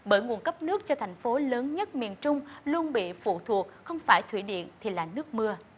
bởi nguồn cấp nước cho thành phố lớn nhất miền trung luôn bị phụ thuộc không phải thủy điện thì là nước mưa